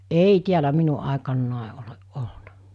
ei täällä minun aikanani ole ollut